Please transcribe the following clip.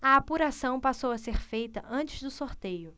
a apuração passou a ser feita antes do sorteio